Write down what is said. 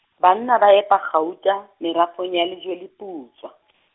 banna ba epa kgauta merafong ya Lejweleputswa .